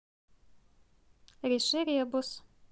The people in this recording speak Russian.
реши ребус